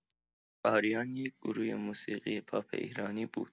آریان یک گروه موسیقی پاپ ایرانی بود.